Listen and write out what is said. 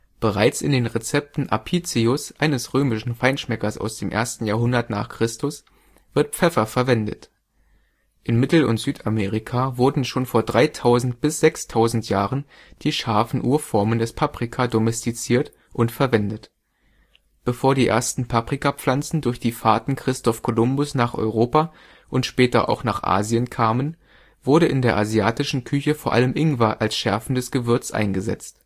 Bereits in den Rezepten Apicius ', eines römischen Feinschmeckers aus dem 1. Jahrhundert n. Chr., wird Pfeffer verwendet. In Mittel - und Südamerika wurden schon vor 3.000 bis 6.000 Jahren die scharfen Urformen des Paprika domestiziert und verwendet. Bevor die ersten Paprikapflanzen durch die Fahrten Christoph Kolumbus ' nach Europa und später auch nach Asien kamen, wurde in der asiatischen Küche vor allem Ingwer als schärfendes Gewürz eingesetzt